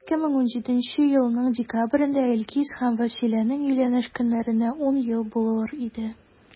2017 елның декабрендә илгиз белән вәсиләнең өйләнешкәннәренә 10 ел булыр иде.